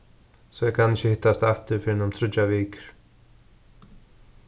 so eg kann ikki hittast aftur fyrrenn um tríggjar vikur